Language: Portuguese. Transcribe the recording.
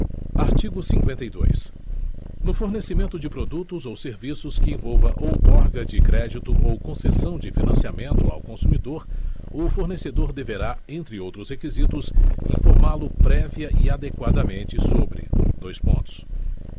artigo cinquenta e dois no fornecimento de produtos ou serviços que envolva outorga de crédito ou concessão de financiamento ao consumidor o fornecedor deverá entre outros requisitos informálo prévia e adequadamente sobre dois pontos